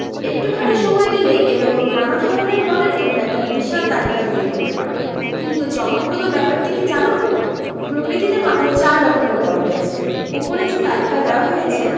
একটুখানি সময় দিলেই এ রকম নানা ধরনের বলের তোমরা একটা বিশাল তালিকা তৈরি করতে পারবে কিন্তু চমকপ্রদ ব্যাপারটি কী জানো প্রকৃতিতে মাত্র চার রকমের বল রয়েছে ওপরে যে তালিকা দেওয়া হয়েছে